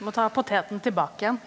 må ta poteten tilbake igjen.